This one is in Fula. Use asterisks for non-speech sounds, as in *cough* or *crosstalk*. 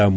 *hesitation* *hesitation*